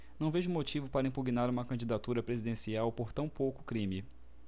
não vejo motivo para impugnar uma candidatura presidencial por tão pouco crime